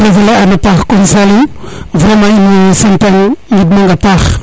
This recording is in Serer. a fiya a paax kon Saliou vraiment in way sante ang ngid mang a paax